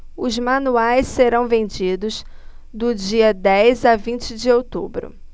os manuais serão vendidos do dia dez a vinte de outubro